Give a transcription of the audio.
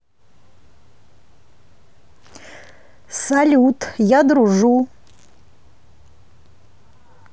салют я дружу